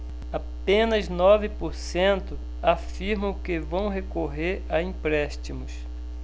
apenas nove por cento afirmam que vão recorrer a empréstimos